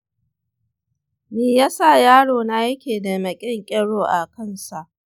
meyasa yarona yake da maƙyanƙyero a kansa?